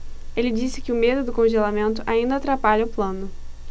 ele disse que o medo do congelamento ainda atrapalha o plano